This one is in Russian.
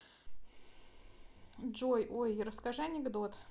джой ой расскажи анекдот